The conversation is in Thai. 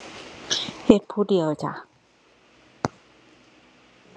เฮ็ดผู้เดียวจ้ะ